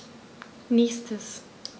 Nächstes.